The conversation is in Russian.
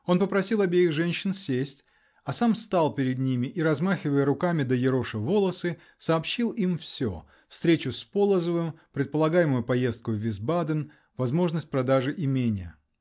Он попросил обеих женщин сесть, а сам стал перед ними -- и, размахивая руками да ероша волосы, сообщил им все: встречу с Полозовым, предполагаемую поездку в Висбаден, возможность продажи имения.